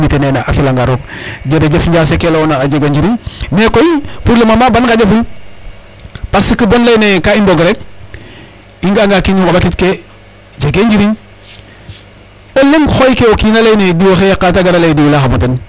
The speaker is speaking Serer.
A felanga roog jerejef Njase ke layoona a jega njiriñ mais koy pour le moment boon nqaƴaful parce que bon layna yee kan mbog rek i nga'anga kiin i nqoɓatiidkee jegee njiriñ o leŋ xooykee o kiin a layin ee diw a xay yaqaa ta gara lay ee diw layaxam o ten .